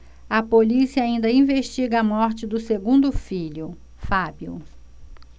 a polícia ainda investiga a morte do segundo filho fábio